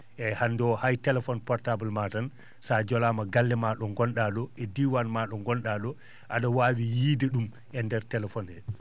eeyi hannde o hay téléphone portable ma tan so a jolaama galle ma ?o ngon?aa ?oo e diiwaan ma ?o gon?aa ?oo a?a waawi yiide ?um e ndeer téléphone hee